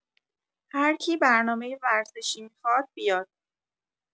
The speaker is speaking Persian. هرکی برنامه ورزشی میخواد بیاد